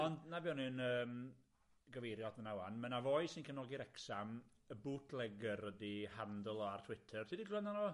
Ond 'na be' o'n i'n yym gyfeirio at hwnna ŵan, ma' na foi sy'n cefnogi Wrecsam, y bootlegger ydi handle o ar Twitter, ti 'di clywad amdano fo?